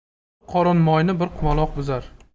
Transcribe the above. bir qorin moyni bir qumaloq buzar